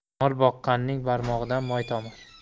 mol boqqanning barmog'idan moy tomar